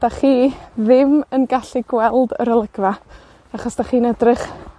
'dach chi ddim yn gallu gweld yr olygfa, achos 'dach chi'n edrych